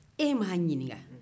e ma a ɲinika